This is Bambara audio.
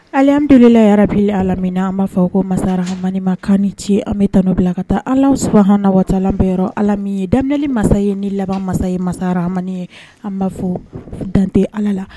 Ale an delilayarabi ala min an b'a fɔ ko masa hamanimakan ce an bɛ tan bila ka taa ala3ha na waati an bɛyɔrɔ alami ye daminɛli masa ye ni laban masa ye masamani ye an b'a fɔ dante ala la